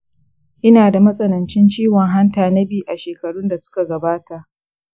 ina da matsanancin ciwon hanta na b a shekarun da su ka gabata